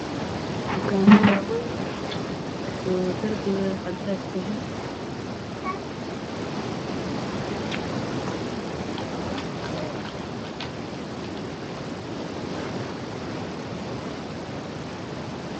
Waa dukaan waxaa kortiisa ku dhegan boor